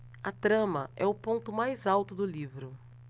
a trama é o ponto mais alto do livro